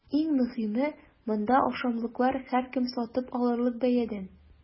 Иң мөһиме – монда ашамлыклар һәркем сатып алырлык бәядән!